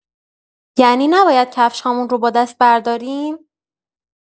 یعنی نباید کفش‌هامون رو با دست برداریم؟